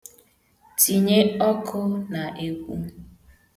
Tinye ọkụ n'ekwu.